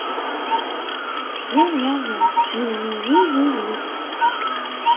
мяу мяу мяу мимимимими